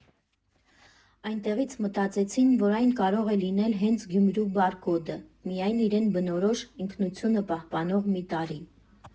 Այդտեղից մտածեցին, որ այն կարող է լինել հենց Գյումրու բարկոդը, միայն իրեն բնորոշ, ինքնությունը պահպանող մի տարր։